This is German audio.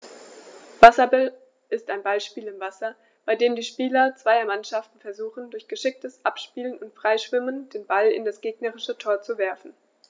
Wasserball ist ein Ballspiel im Wasser, bei dem die Spieler zweier Mannschaften versuchen, durch geschicktes Abspielen und Freischwimmen den Ball in das gegnerische Tor zu werfen.